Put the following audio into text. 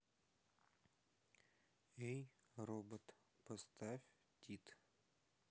эй робот поставь тит